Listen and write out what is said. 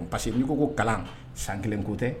Parce que n'i ko kalan san kelen ko tɛ